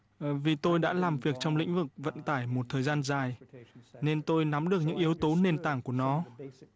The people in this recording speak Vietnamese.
vì tôi đã làm việc trong lĩnh vực vận tải một thời gian dài nên tôi nắm được những yếu tố nền tảng của nó